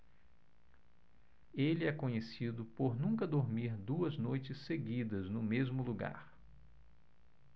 ele é conhecido por nunca dormir duas noites seguidas no mesmo lugar